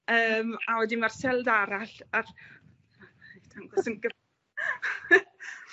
yym a wedyn ma'r seld arall ar, a reit, dangos yn gyf-